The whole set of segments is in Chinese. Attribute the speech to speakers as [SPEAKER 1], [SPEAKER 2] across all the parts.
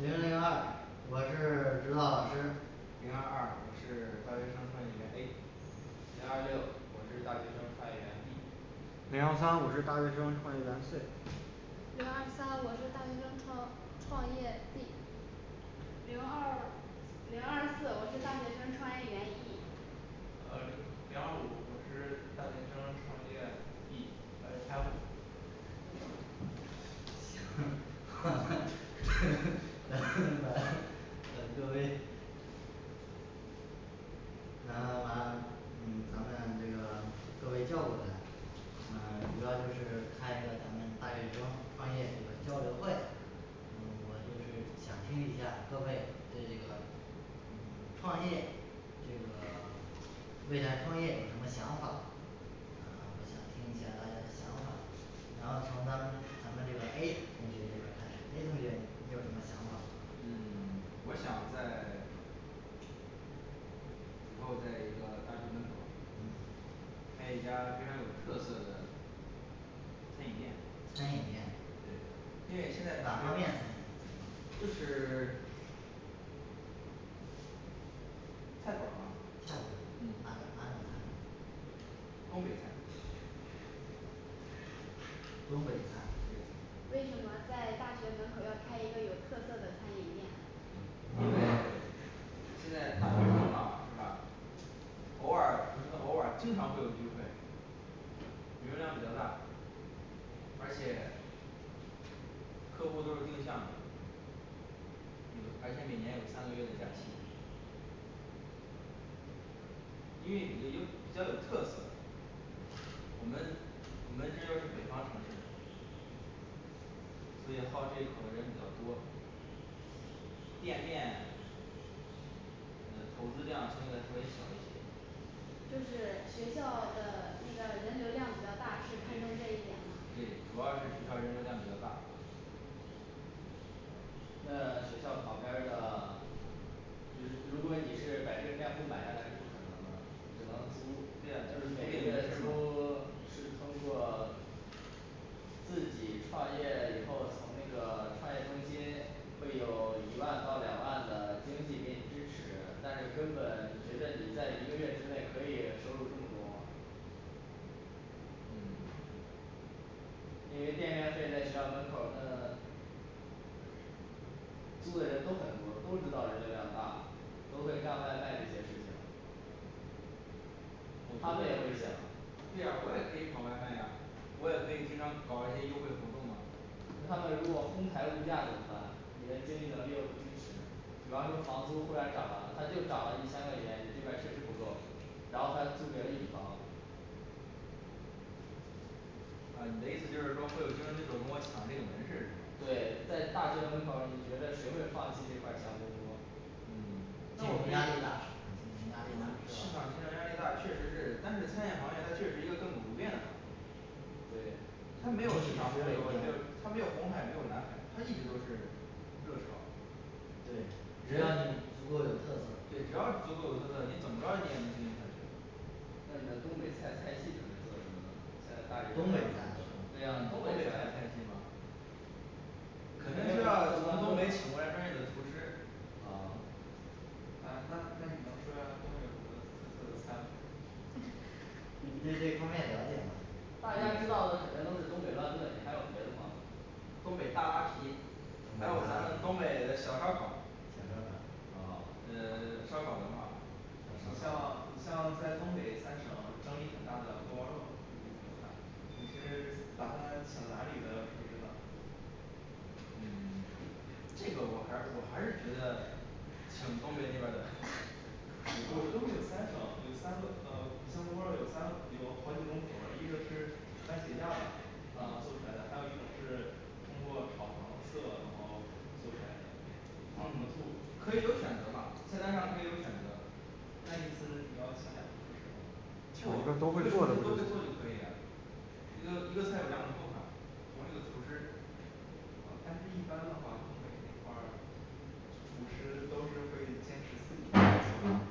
[SPEAKER 1] 零零二我是 指导老师
[SPEAKER 2] 零二二我是大学生创业员A
[SPEAKER 3] 零二六我是大学生创业员B
[SPEAKER 4] 零幺三我是大学生创业员C
[SPEAKER 5] 零二三我是大学生创创业D
[SPEAKER 6] 零二零二四我是大学生创业员E
[SPEAKER 7] 呃零零二五我是大学生创业E呃F
[SPEAKER 1] 咱咱呃各位 咱们把嗯咱们这个各位叫过来嗯 主要就是开一个咱们大学生创业这个交流会嗯我就是想听一下各位对这个嗯创业这个 未来创业有什么想法？呃 我想听一下儿大家的想法儿，然后从咱们咱们这个A同学这边儿开始A同学你有什么想法儿？嗯
[SPEAKER 2] 嗯 我想在以后在一个大学门口儿开一家非常有特色的餐饮店，
[SPEAKER 1] 餐饮店
[SPEAKER 2] 对。因为现在大
[SPEAKER 1] 哪方
[SPEAKER 2] 学
[SPEAKER 1] 面
[SPEAKER 2] 生
[SPEAKER 1] 餐饮，
[SPEAKER 2] 就是 菜馆吧
[SPEAKER 1] 菜馆，哪哪种
[SPEAKER 2] 嗯
[SPEAKER 1] 菜
[SPEAKER 2] 东北菜
[SPEAKER 1] 东北菜。
[SPEAKER 2] 对
[SPEAKER 5] 为什么在大学门口儿要开一个有特色的餐饮店？
[SPEAKER 2] 因为现在大学生嘛是吧？偶尔不是偶尔经常会有聚会，流量比较大，而且客户都是定向的，有而且每年有三个月的假期因为比较有 要有特色，我们我们这又是北方城市，所以好这一口儿的人比较多，店面呃投资量相对来说也小一些，
[SPEAKER 5] 就是学校的那个人流量比较
[SPEAKER 2] 对，
[SPEAKER 5] 大，是看中这一
[SPEAKER 2] 对
[SPEAKER 5] 点，吗
[SPEAKER 2] 主要是学校人流量比较大。
[SPEAKER 3] 那学校旁边儿的日 如果你是把这个店铺买下来是不可能的。只能
[SPEAKER 4] 对呀
[SPEAKER 3] 租，，
[SPEAKER 4] 就是租
[SPEAKER 3] 租
[SPEAKER 4] 赁城市嘛
[SPEAKER 3] 是通过自己创业以后，从那个创业中心会有一万到两万的经济给你支持，但是根本你觉得你在一个月之内可以收入这么多吗？
[SPEAKER 1] 嗯
[SPEAKER 3] 因为店面会在学校门口儿，那 租的人都很多，都知道人流量大，都会干外卖这些事情。
[SPEAKER 4] 我觉得也可行
[SPEAKER 2] 对呀我也可以跑外卖呀，我也可以经常搞一些优惠活动嘛
[SPEAKER 3] 那他们如果哄抬物价怎么办？你的经济能力又不支持，比方说房租忽然涨了，他就涨了一千块钱，你这边儿确实不够，然后他租给了乙方，
[SPEAKER 2] 啊你的意思就是说会有竞争对手跟我抢这个门市是吗
[SPEAKER 3] 对，在大学门口儿你觉得谁会放弃这块儿香饽饽？
[SPEAKER 1] 嗯？
[SPEAKER 2] 那
[SPEAKER 1] 竞
[SPEAKER 3] 竞
[SPEAKER 2] 我可
[SPEAKER 1] 争
[SPEAKER 3] 争
[SPEAKER 2] 以，
[SPEAKER 1] 压
[SPEAKER 2] 啊
[SPEAKER 3] 压
[SPEAKER 1] 力
[SPEAKER 3] 力大
[SPEAKER 1] 大。
[SPEAKER 2] 市场竞争压力大确实是，但是餐饮行业它却是一个亘古不变的行业
[SPEAKER 3] 对
[SPEAKER 2] 它没有市场洪流，也没有它没有红海，没有蓝海，它一直都是热潮
[SPEAKER 1] 对，只要你
[SPEAKER 2] 人
[SPEAKER 1] 足够有特色，
[SPEAKER 2] 对，只要足够有特色，你怎么着你也能经营下去
[SPEAKER 3] 那你的东北菜菜系准备做什么呢？现在大学生
[SPEAKER 1] 东
[SPEAKER 3] 儿
[SPEAKER 1] 北菜，
[SPEAKER 3] 对
[SPEAKER 1] 是吗
[SPEAKER 3] 呀，
[SPEAKER 2] 东
[SPEAKER 3] 东
[SPEAKER 2] 北
[SPEAKER 3] 北菜
[SPEAKER 2] 菜菜系嘛肯定是要从东北请过来专业的厨师。
[SPEAKER 1] 啊
[SPEAKER 7] 啊那那你能说下儿东北有什么特色的菜谱儿吗
[SPEAKER 1] 你对这方面了解吗
[SPEAKER 3] 大？家
[SPEAKER 1] 你
[SPEAKER 3] 知道的肯定都是东北乱炖，你还有别的吗
[SPEAKER 2] 东北大拉皮，还
[SPEAKER 1] 东
[SPEAKER 2] 有咱们东
[SPEAKER 1] 北大
[SPEAKER 2] 北的
[SPEAKER 1] 拉皮
[SPEAKER 2] 小烧烤儿
[SPEAKER 1] 小烧烤儿
[SPEAKER 3] 啊呃 烧烤儿文化？
[SPEAKER 1] 小
[SPEAKER 2] 你像
[SPEAKER 1] 烧
[SPEAKER 2] 你
[SPEAKER 1] 烤儿
[SPEAKER 2] 像在东北三省争议很大的锅包肉
[SPEAKER 7] 你是打算请哪里的厨师呢？
[SPEAKER 2] 嗯 这个我还是我还是觉得请东北那边儿的厨 师
[SPEAKER 7] 不，东
[SPEAKER 2] 吧
[SPEAKER 7] 北有三，省，有三个呃你像锅包肉有三个有好几种口味儿，一个是番茄酱的然后做出
[SPEAKER 2] 嗯
[SPEAKER 7] 来的，还有一种是通过炒糖色，然后做出来
[SPEAKER 2] 嗯
[SPEAKER 4] 糖，和醋
[SPEAKER 2] 可以有选择嘛，菜单上可以有选择。
[SPEAKER 7] 那你意思你要请两
[SPEAKER 2] 不，一个
[SPEAKER 7] 个厨师吗
[SPEAKER 4] 请一
[SPEAKER 2] 厨
[SPEAKER 4] 个
[SPEAKER 2] 师都
[SPEAKER 4] 都可
[SPEAKER 2] 会
[SPEAKER 4] 以
[SPEAKER 2] 做就可以一个一个菜有两种做法儿，同一个厨师，
[SPEAKER 7] 嗯，但是一般的话，东北那块儿厨师都是会坚持自己的做法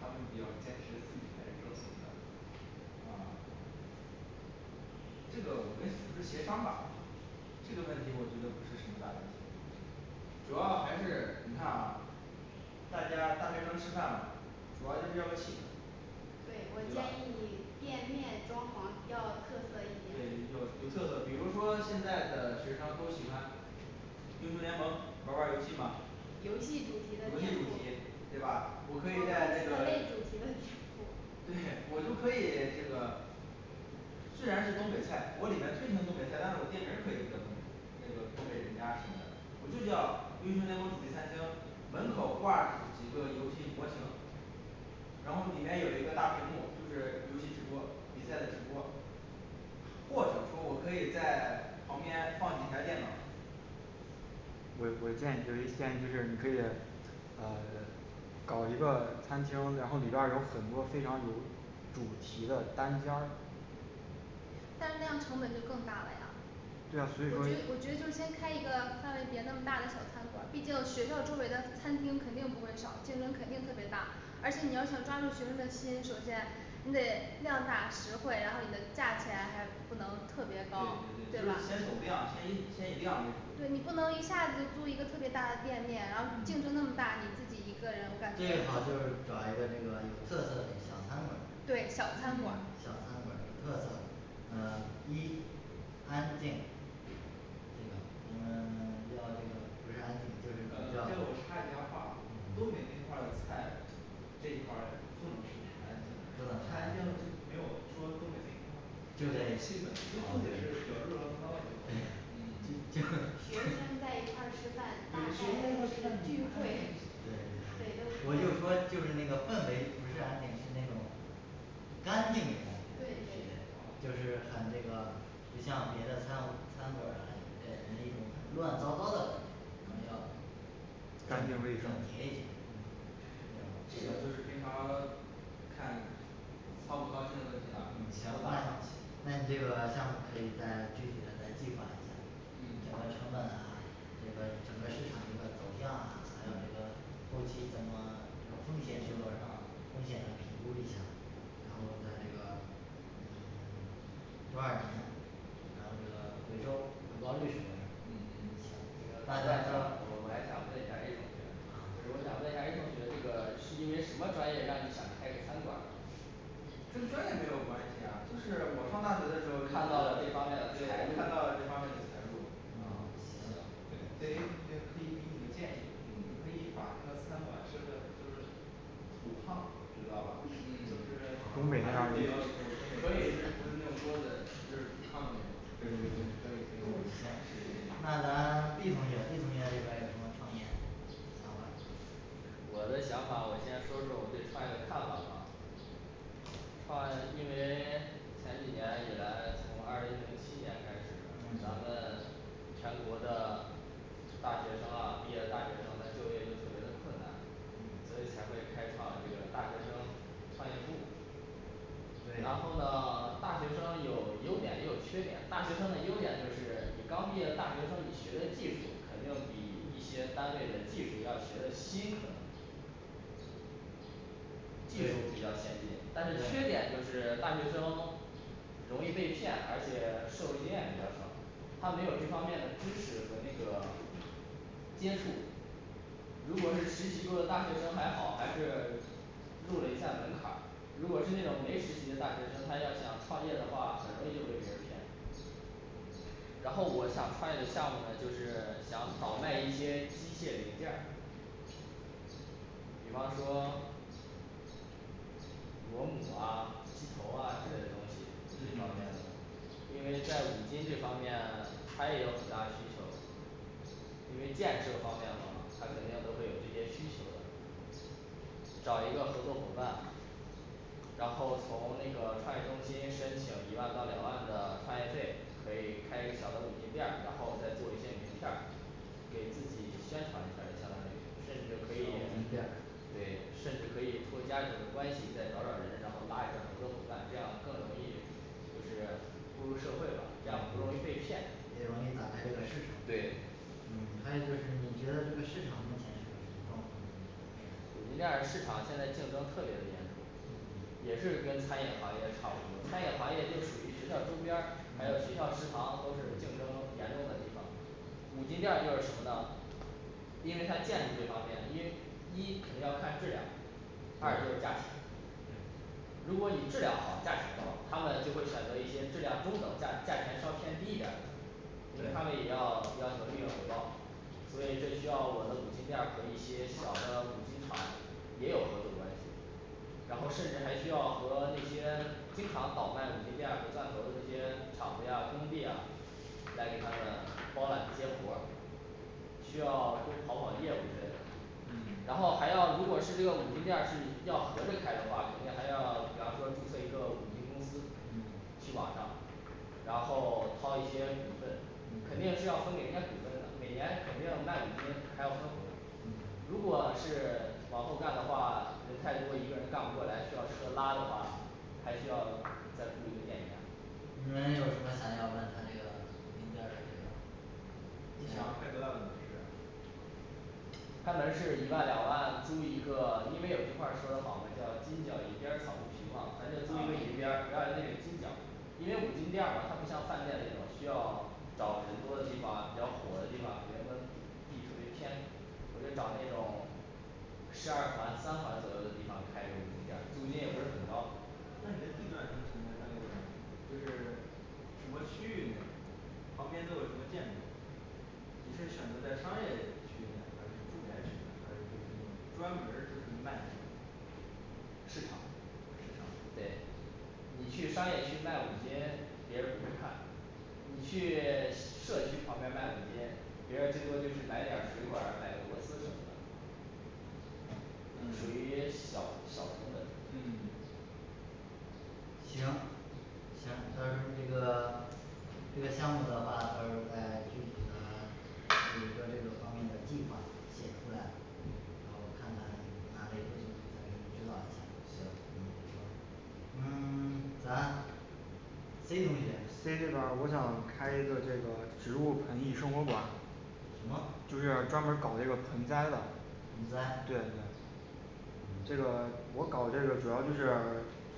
[SPEAKER 7] 他们比较坚持自己才是正宗的。
[SPEAKER 2] 啊这个我跟厨师协商吧，这个问题我觉得不是什么大问题，主要还是你看啊大家大学生吃饭嘛主要就是要个气氛。
[SPEAKER 5] 对，我
[SPEAKER 2] 对
[SPEAKER 5] 建
[SPEAKER 2] 吧
[SPEAKER 5] 议你店面装潢要有特色一点
[SPEAKER 2] 对，有有特色，比如说现在的学生都喜欢英雄联盟玩儿玩儿游戏嘛
[SPEAKER 5] 游戏主
[SPEAKER 3] 游
[SPEAKER 5] 题的
[SPEAKER 3] 戏
[SPEAKER 5] 建
[SPEAKER 3] 主
[SPEAKER 5] 筑
[SPEAKER 3] 题，对吧，，我
[SPEAKER 5] 我
[SPEAKER 3] 可
[SPEAKER 5] 可以
[SPEAKER 3] 以在
[SPEAKER 5] 参与
[SPEAKER 3] 那
[SPEAKER 5] 主
[SPEAKER 3] 个，对
[SPEAKER 5] 题的建，筑
[SPEAKER 3] 我就可以这个
[SPEAKER 2] 虽然是东北菜，我里面推行东北菜，但是我店名儿可以不叫东北那个东北人家儿什么的，我就叫英雄联盟主题餐厅，门口挂几几个游戏模型然后里面有一个大屏幕，就是游戏直播比赛的直播或者说我可以在 旁边放几台电脑
[SPEAKER 4] 我我建议有一个建议就是你可以呃搞一个餐厅儿，然后里边儿有很多非常有主题的单间儿，
[SPEAKER 5] 但那样成本就更大了呀。
[SPEAKER 4] 对呀，所以说
[SPEAKER 5] 我觉我觉得就先开一个范围别那么大的小餐馆儿，毕竟学校周围的餐厅肯定不会少，竞争肯定特别大，而且你要想抓住学生的心，首先你得量大实惠，然后你的价钱还不能特别
[SPEAKER 2] 对对对，就
[SPEAKER 5] 高，对吧
[SPEAKER 2] 是先走量先以先以量，为主
[SPEAKER 5] 对，你不能一下子就租一个特别大的店面，然后竞争那
[SPEAKER 1] 嗯
[SPEAKER 5] 么大，你自己一个人干
[SPEAKER 1] 最好就是找一个这个有特色的小餐馆儿
[SPEAKER 5] 对小餐馆儿
[SPEAKER 1] 嗯，小餐馆儿有特色，呃一安静。这个咱们 要这个不是安静，就
[SPEAKER 2] 嗯
[SPEAKER 1] 是，比
[SPEAKER 2] 这
[SPEAKER 1] 较
[SPEAKER 2] 个，叫我插一下话儿啊，东
[SPEAKER 1] 嗯
[SPEAKER 2] 北那块儿的菜这一块儿不能是太安
[SPEAKER 1] 不
[SPEAKER 2] 静
[SPEAKER 1] 能
[SPEAKER 2] 了，太
[SPEAKER 1] 太安
[SPEAKER 2] 安静了
[SPEAKER 1] 静
[SPEAKER 2] 没有说东北那块儿它
[SPEAKER 1] 就得，
[SPEAKER 2] 那气氛那
[SPEAKER 1] 啊，
[SPEAKER 2] 就得
[SPEAKER 1] 对
[SPEAKER 2] 是比较热热闹闹的，嗯。
[SPEAKER 1] 对就就
[SPEAKER 5] 学生
[SPEAKER 1] 就
[SPEAKER 5] 在一块儿吃饭
[SPEAKER 2] 对学生在一块儿，
[SPEAKER 5] 大概就
[SPEAKER 2] 吃
[SPEAKER 5] 是
[SPEAKER 2] 饭比
[SPEAKER 5] 聚
[SPEAKER 2] 喻安
[SPEAKER 5] 会
[SPEAKER 1] 对对
[SPEAKER 2] 静
[SPEAKER 1] 对，我
[SPEAKER 5] 为的不行
[SPEAKER 1] 就说就是那个氛围不是安静是那种干净的感觉气氛
[SPEAKER 5] 对对对
[SPEAKER 2] 啊
[SPEAKER 1] 就是很这个不像别的餐餐馆儿啊这给人一种很乱糟糟的感觉。咱们要整整洁一些对吧，嗯
[SPEAKER 2] 这个就是平常看操不操心的问
[SPEAKER 1] 行
[SPEAKER 2] 题了，，不
[SPEAKER 1] 那
[SPEAKER 2] 大
[SPEAKER 1] 那
[SPEAKER 2] 小
[SPEAKER 1] 你这个项目可以再具体的再计划一下儿。整个
[SPEAKER 2] 嗯
[SPEAKER 1] 成本啊，这边儿整个市场一个走向啊，还有这个后期怎么有风险是多少儿？
[SPEAKER 2] 嗯
[SPEAKER 1] 风险的评估一下，然后在这个嗯 多少年，能这个回收回报率是多少？嗯行
[SPEAKER 2] 嗯，
[SPEAKER 3] 那
[SPEAKER 1] 那咱
[SPEAKER 3] 个，
[SPEAKER 1] 们，
[SPEAKER 3] 我我还想问一下儿A同学，
[SPEAKER 1] 啊
[SPEAKER 3] 就是我想问一下儿A同学这个是因为什么专业让你想开个餐馆儿呢？
[SPEAKER 2] 跟专业没有关系呀就是，我上大学的时候就是，对，
[SPEAKER 3] 看
[SPEAKER 2] 看
[SPEAKER 3] 到
[SPEAKER 2] 到了
[SPEAKER 3] 了
[SPEAKER 2] 这
[SPEAKER 3] 这
[SPEAKER 2] 方
[SPEAKER 3] 方面的财路
[SPEAKER 2] 面的财路
[SPEAKER 1] 嗯行
[SPEAKER 3] 对对 A
[SPEAKER 1] 嗯
[SPEAKER 3] 同学可以给你个建议，你可以把这个餐馆设置就是
[SPEAKER 7] 土炕知道吧？就
[SPEAKER 2] 嗯
[SPEAKER 7] 是可以
[SPEAKER 1] 啊
[SPEAKER 7] 是不是那种桌子是土炕的那种
[SPEAKER 2] 对对对可
[SPEAKER 1] 嗯
[SPEAKER 2] 以，可以可
[SPEAKER 1] 行，
[SPEAKER 2] 以
[SPEAKER 1] 那咱 B同学B同学这边儿有什么创业想法儿。
[SPEAKER 3] 我的想法我先说说我对创业的看法吧。创因为前几年以来，从二零零七年开始呢，咱
[SPEAKER 1] 嗯
[SPEAKER 3] 们全国的大学生啊毕业的大学生在就业就特别的困难，所
[SPEAKER 1] 嗯
[SPEAKER 3] 以才会开创这个大学生创业部然后
[SPEAKER 1] 对
[SPEAKER 3] 呢大学生有优点也有缺点，大学生的优点就是你刚毕业的大学生，你学的技术肯定比一些单位的技术要学的新可能技术比
[SPEAKER 1] 对
[SPEAKER 3] 较先进，但是你缺
[SPEAKER 1] 对
[SPEAKER 3] 点就是大学生容易被骗，而且社会经验比较少，他没有这方面的知识和那个 接触。如果是实习过的大学生还好，还是入了一下门槛儿，如果是那种没实习的大学生，他要想创业的话，很容易就被别人骗。然后我想创业的项目呢就是想倒卖一些机械零件儿，比方说螺母啊机头啊之类东西这方面的
[SPEAKER 1] 嗯，
[SPEAKER 3] 因为在五金这方面它也有很大需求因为建设方面嘛它肯定都会有这些需求的，找一个合作伙伴然后从那个创业中心申请一万到两万的 创业费，可以开一个小的五金店儿，然后再做一些名片儿给自己宣传一下儿也相当于，甚至
[SPEAKER 1] 小
[SPEAKER 3] 可以
[SPEAKER 1] 五金店儿，
[SPEAKER 3] 对，甚至可以托家庭的关系，再找找人，然后拉一下儿合作伙伴，这样更容易就是步入社会吧，这样不容易
[SPEAKER 1] 嗯
[SPEAKER 3] 被骗，
[SPEAKER 1] 也容易打开这个市场，
[SPEAKER 3] 对
[SPEAKER 1] 嗯。还有就是你觉得这个市场目前是个什么状况呢这
[SPEAKER 3] 五
[SPEAKER 1] 个
[SPEAKER 3] 金
[SPEAKER 1] 未来？
[SPEAKER 3] 店儿市场现在竞争特别的严重？
[SPEAKER 1] 嗯
[SPEAKER 3] 也是跟餐饮行业差不多，餐饮行业就属于学校周边儿，还有学
[SPEAKER 1] 嗯
[SPEAKER 3] 校食堂都是
[SPEAKER 1] 嗯
[SPEAKER 3] 竞争严重的地方。五金店儿就是什么呢？因为他建筑这方面，因为一肯定要看质量，二就是
[SPEAKER 1] 对
[SPEAKER 3] 价钱
[SPEAKER 1] 对。
[SPEAKER 3] 如果你质量好价钱高，他们就会选择一些质量中等价，价钱稍偏低一点儿的，因为他们
[SPEAKER 1] 对
[SPEAKER 3] 也要要求利润回报，所以这需要我的五金店儿和一些小的五金厂也有合作关系然后甚至还需要和那些经常倒卖五金店儿和钻头儿的这些厂子呀工地呀，来给他们包揽一些活儿需要多跑跑业务之类的。然
[SPEAKER 1] 嗯
[SPEAKER 3] 后还要如果是这个五金店儿是要合着开的话，肯定还要比方说注册一个五金公司，
[SPEAKER 1] 嗯
[SPEAKER 3] 去网上然后掏一些股份，肯定
[SPEAKER 1] 嗯
[SPEAKER 3] 是要分给人家股份的，每年肯定要卖五金还要分红。 如
[SPEAKER 1] 嗯
[SPEAKER 3] 果是往后干的话，人太多，一个人干不过来，需要车拉的话，还需要再雇一个店员。
[SPEAKER 1] 你们有什么想要问他这个五金店儿的这个，
[SPEAKER 2] 你想要
[SPEAKER 1] 嗯，
[SPEAKER 2] 开多大的门市啊？
[SPEAKER 3] 开门市一万两万租一个，因为有句话儿说的好嘛，叫金角银边儿草肚皮嘛，咱就租一个
[SPEAKER 5] 嗯
[SPEAKER 3] 银边儿不要这个金角儿。因为五金店儿嘛它不像饭店那种需要找人多的地方，比较火的地方肯定不能。 地特别偏，我就找那种市二环三环左右的地方开一个五金店儿，租金也不是很高，
[SPEAKER 2] 那你的地段想存在大概在哪？就是什么区域内？旁边都有什么建筑？你是选择在商业区呢还是住宅区呢，还是就是那种专门儿就是卖那种市场。市场
[SPEAKER 3] 对你去商业区卖五金，别人儿不会看，你去社区旁边儿卖五金，别人儿最多就是买点儿水管儿啊，买个螺丝什么的属
[SPEAKER 2] 嗯
[SPEAKER 3] 于小小成本
[SPEAKER 2] 嗯
[SPEAKER 1] 行，行到时候儿你这个这个项目的话，到时候儿再具体的有一个这个方面的计划写出来，然后我看看拿了以后就再给你指导一下
[SPEAKER 3] 行。
[SPEAKER 1] 嗯 咱 C同学
[SPEAKER 3] C 这边儿我想开一个这个植物盆地生活馆
[SPEAKER 1] 什么
[SPEAKER 3] 就是专门儿搞这个盆栽的
[SPEAKER 1] 盆栽，
[SPEAKER 3] 对这
[SPEAKER 1] 嗯
[SPEAKER 3] 个我搞这个主要就是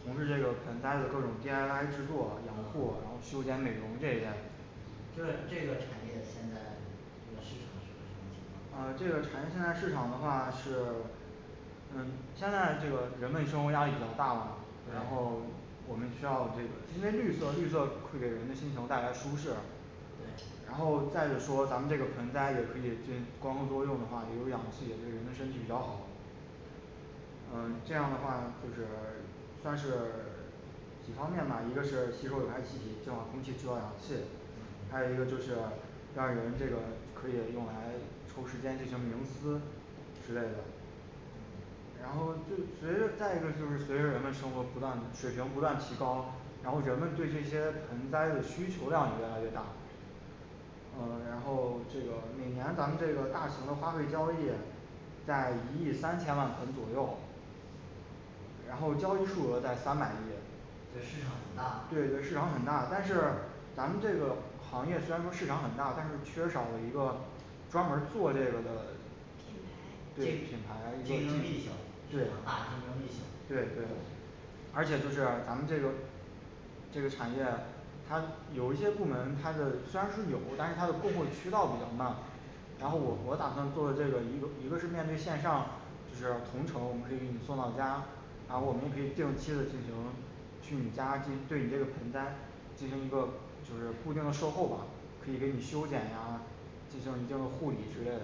[SPEAKER 3] 从事这个盆栽的各种D N I制作，养护，然后
[SPEAKER 1] 啊
[SPEAKER 3] 修剪美容这一类
[SPEAKER 1] 嗯这，这个产业现在这个市场是个什么情况？
[SPEAKER 4] 嗯，这个产业现在市场的话是嗯现在这个人们生活压力比较大了，然
[SPEAKER 1] 对
[SPEAKER 4] 后我们需要这因为绿色绿色给人的系统带来舒适。
[SPEAKER 1] 对
[SPEAKER 4] 然后再者说咱们这个盆栽也可以进行光合作用的话，有氧气对人身体比较好嗯这样的话就是算是几方面吧，一个是吸收有害气体净化空气释放氧气，还
[SPEAKER 1] 嗯
[SPEAKER 4] 有一个就是当人们这个可以用来抽时间进行冥思之类的。
[SPEAKER 1] 嗯
[SPEAKER 4] 然后就随着再一个就是随着人们生活不断的水平不断提高，然后人们对这些盆栽的需求量也越来越大，呃然后这个每年咱们这个大型的花卉交易在一亿三千万盆左右然后交易数额在三万亿
[SPEAKER 1] 这市场很大。
[SPEAKER 4] 对这市场很大，但是
[SPEAKER 1] 嗯
[SPEAKER 4] 咱们这个行业虽然说市场很大，但是缺少了一个专门儿做这个的品
[SPEAKER 5] 品牌
[SPEAKER 1] 竞
[SPEAKER 4] 牌是
[SPEAKER 1] 竞争力小，，
[SPEAKER 4] 对
[SPEAKER 1] 市场大，竞争力小
[SPEAKER 4] 对而且就是咱们这个这个产业它有一些部门它的虽然是有，但是它的配送渠道比较慢，然后我
[SPEAKER 1] 嗯
[SPEAKER 4] 我打算做一个软技术一个是面对线上，就是同城我们可以给你送到家，然后我们就
[SPEAKER 1] 嗯
[SPEAKER 4] 可以定期的进行去你家二去对你这个盆栽进行一个就是固定的售后嘛可以给你修剪呀，就像你这个护理之类的。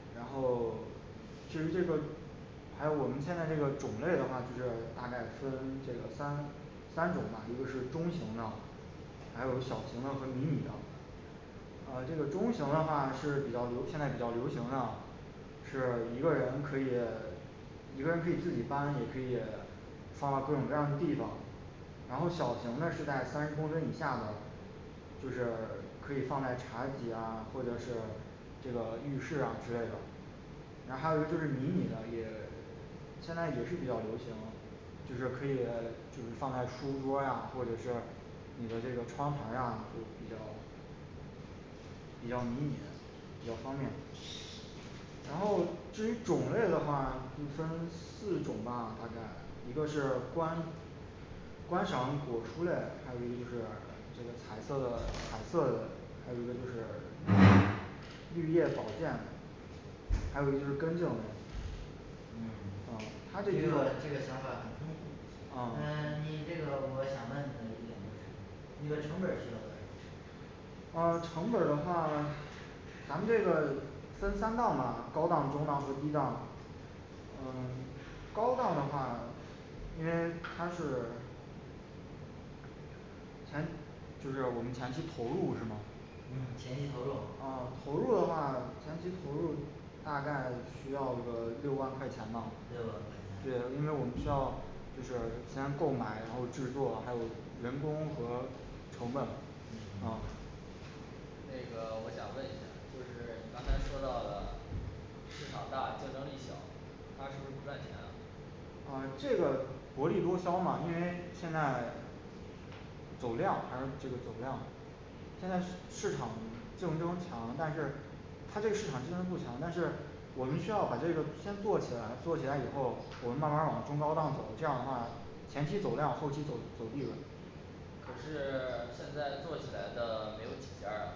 [SPEAKER 1] 嗯
[SPEAKER 4] 然后 其实这个还有我们现在那个种类的话就是大概分这个三三种吧，一个是中瓶的，还有小瓶的和迷你的。呃这个中瓶的话是比较流现在是比较流行的啊，是一个人可以你们可以自己搬，也可以放到各种各样儿的地方。然后小瓶的是在三十公分以下的就是 可以放在茶几呀或者是这个浴室啊之类的。然还有就是迷你这个也现在也是比较流行的。就说可以的就是放在书桌呀或者是你的这个窗前呀是比较比较迷你的比较方便然后至于种类的话就分四种吧好像，一个是观观赏果蔬类，还有个就是就是彩色 彩色的。还有一个就是绿叶保健的，还有就是根茎
[SPEAKER 1] 嗯，你
[SPEAKER 3] 嗯他这个
[SPEAKER 1] 这个这个想法儿很丰富，嗯
[SPEAKER 3] 啊
[SPEAKER 1] 你这个我想问你的一点就是那个成本儿需要多少？
[SPEAKER 4] 啊成本儿的话，咱们这个分三档吧，高档中档和低档。呃 高档的话，因为它是前，就是我们前期投入是吗？
[SPEAKER 1] 嗯，前期投入
[SPEAKER 4] 啊投入的话前期投入大概需要这个六万块钱吧
[SPEAKER 1] 六万块
[SPEAKER 4] 对
[SPEAKER 1] 钱，
[SPEAKER 4] 因为我们需要就是先购买，然后制作还有人工和成本，
[SPEAKER 1] 嗯
[SPEAKER 4] 啊
[SPEAKER 3] 那个我想问一下儿就是你刚才说到的市场大竞争力小，它是不是不赚钱啊
[SPEAKER 4] 啊，这个薄利多销嘛，因为现在走量咱这个走量的，现在市市场竞争不同，但是它这个市场竞争不同，但是我们需要把这个先做起来，做起来以后我们慢慢儿往中高档走，这样的话前期走量后期走走利润
[SPEAKER 3] 可是 现在做起来的没有几家儿啊，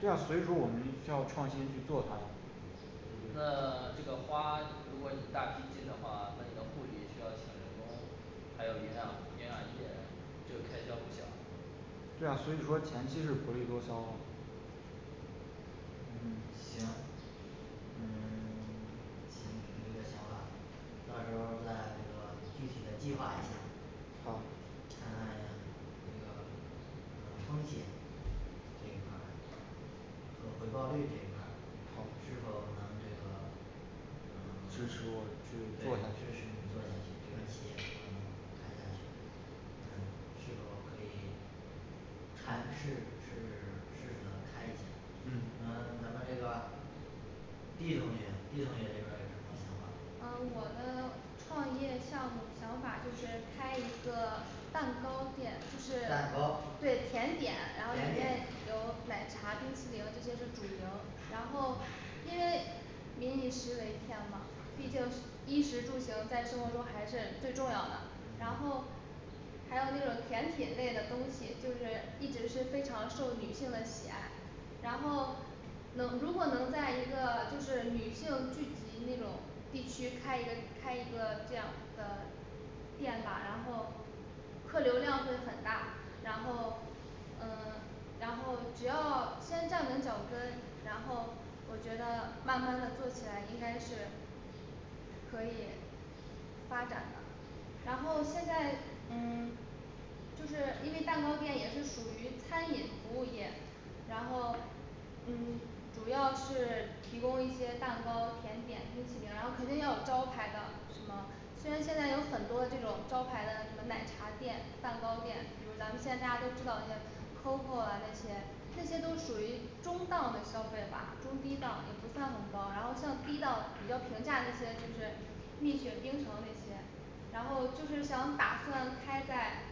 [SPEAKER 4] 这样，
[SPEAKER 3] 那
[SPEAKER 4] 所以说我们需要创新去做它呀
[SPEAKER 3] 这个花，如果你大批进的话，那你的护理需要请人工，还有营养营养液这开销不小。
[SPEAKER 1] 嗯
[SPEAKER 4] 对啊所以说前期是薄利多销。
[SPEAKER 1] 嗯，行嗯 行，你这个想法儿。到时候儿再这个具体的计划一下儿。
[SPEAKER 3] 好
[SPEAKER 1] 看看你这个呃 风险这一块儿和回报率这一块儿，是
[SPEAKER 3] 好，
[SPEAKER 1] 否能这个呃
[SPEAKER 3] 支
[SPEAKER 1] 对，支
[SPEAKER 3] 持
[SPEAKER 1] 持
[SPEAKER 3] 我继
[SPEAKER 1] 你
[SPEAKER 3] 续
[SPEAKER 1] 做
[SPEAKER 3] 做下
[SPEAKER 1] 下
[SPEAKER 3] 去
[SPEAKER 1] 去，这个企业是否能开下去嗯是否可以看试试试着开一下，嗯
[SPEAKER 4] 嗯
[SPEAKER 1] 咱们这个D同学D同学这边儿有什么想法儿
[SPEAKER 5] 呃我的创业项目想法就是开一个蛋糕店就是
[SPEAKER 1] 蛋糕
[SPEAKER 5] 对甜点，然后
[SPEAKER 1] 甜点
[SPEAKER 5] 再有奶茶冰淇淋，这些都是主流。然后
[SPEAKER 1] 嗯
[SPEAKER 5] 因为民以食为天嘛，毕竟
[SPEAKER 1] 嗯
[SPEAKER 5] 衣食住行在生活中还是最重要的，然
[SPEAKER 1] 嗯
[SPEAKER 5] 后还有那个甜品类的东西，就是一直是非常受女性的喜爱。然后呃如果能在一个就是女性聚集那种地区开一个开一个这样的店吧，然后客流量就很大，然后嗯 然后只要先站稳脚跟，然后我觉得慢慢的做起来应该是可以发展的然后现在嗯就是因为蛋糕店也是属于餐饮服务业，然后嗯主要是提供一些蛋糕甜点饮品，然后肯定要有招牌的是吗？虽然现在有很多这种招牌的奶茶店蛋糕店，比如咱们现在大家都知道的CoCo啊这些，这些都属于中档的消费吧，中低档的也不算很高啦，然后像低档比较平价的一些就是蜜雪冰城那些，然后就是想打算开在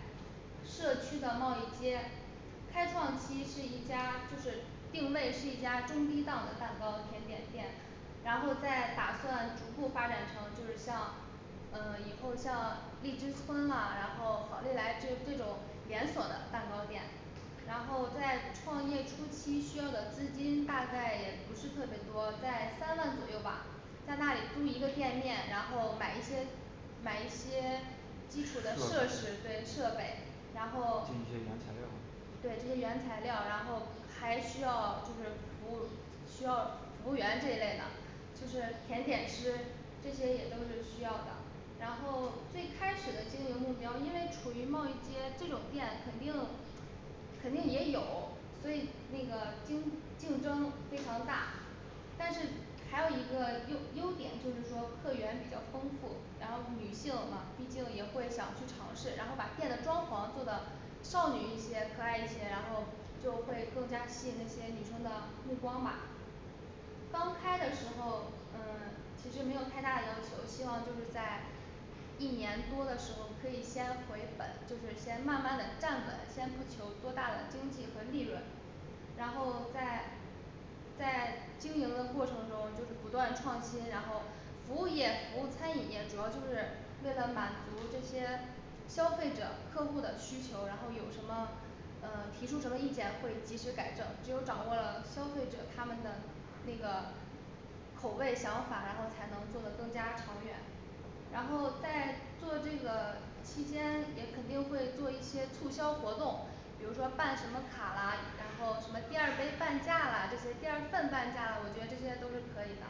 [SPEAKER 5] 社区的贸易街，开创期是一家就是定位是一家中低档的蛋糕甜点店，然后再打算逐步发展成就是像呃以后像荔枝村啊，然后好运来就是这种连锁的蛋糕店然后在创业初期需要的资金大概也不是特别多，在三万左右吧在那里租一个店面，然后买一些买一些基础的设
[SPEAKER 4] 设
[SPEAKER 5] 施对设备，然后
[SPEAKER 4] 进些原材料
[SPEAKER 5] 对进原材料，然后还需要就是服务，需要服务员这一类的，就是甜点师这些也都是需要的，然后最开始的定一个目标因为处于贸易街，这种店肯定肯定也有，所以那个竞竞争非常大，但是还有一个优优点就是说客源比较丰富，然后女性嘛毕竟也会想去尝试，然后把店的装潢做的少女一些可爱一些，然后就会更加吸引那些女生的目光吧。刚开的时候嗯其实没有太大的要求，希望就是在一年多的时候可以先回本，就是先慢慢的站稳，先不求多大的经济和利润，然后在在经营的过程中就是不断创新，然后服务业服务餐饮业主要就是为了满足这些消费者客户儿的需求，然后有什么呃提出什么意见可以及时改正，只有掌握了消费者他们的那个口味想法，然后才能做的更加长远。然后在做这个期间也肯定会做一些促销活动，比如说办什么卡啦，然后什么第二杯半价啦，这些第二份半价啦，我觉得这些都可以的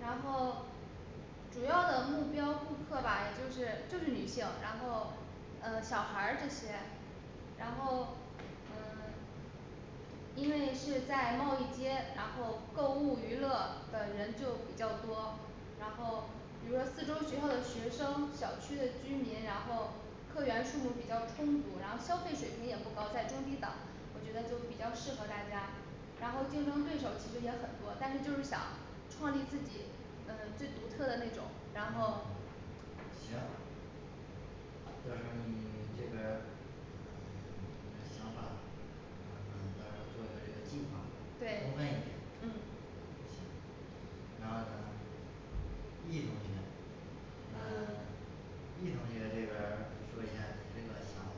[SPEAKER 5] 然后主要的目标顾客吧也就是就是女性，然后嗯小孩儿这些然后嗯 因为是在贸易街，然后购物娱乐的人就比较多，然后比如说四周学校的学生，小区的居民，然后客源数目比较充足，然后消费水平也不高，在中低档，我觉得就比较适合大家，然后竞争对手其实也很多，但是就是想创立自己呃最独特的那种，
[SPEAKER 1] 嗯
[SPEAKER 5] 然后，
[SPEAKER 1] 行到时候儿你 这边儿嗯 你的想法，嗯到时候儿做一个这个计划充分一
[SPEAKER 5] 对
[SPEAKER 1] 点。 好
[SPEAKER 5] 嗯，
[SPEAKER 1] 行。然后咱E同学嗯
[SPEAKER 6] 嗯
[SPEAKER 1] E同学这边儿说一下你这个想法